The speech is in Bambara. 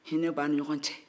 hinɛ b'an ani ɲɔgɔn cɛ